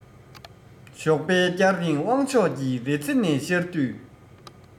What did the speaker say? ཞོགས པའི སྐྱ རེངས དབང ཕྱོགས ཀྱི རི རྩེ ནས ཤར དུས